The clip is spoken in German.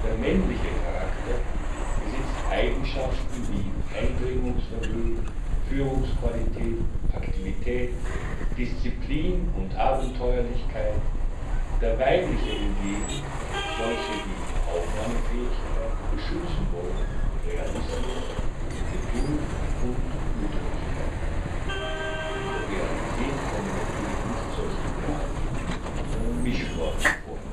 männliche Charakter besitzt Eigenschaften wie Eindringungsvermögen, Führungsqualitäten, Aktivität, Disziplin und Abenteuerlichkeit, der weibliche hingegen solche wie Aufnahmefähigkeit, Beschützenwollen, Realismus, Geduld und Mütterlichkeit. In der Realität kommen natürlich nicht solche Idealtypen, sondern Mischformen vor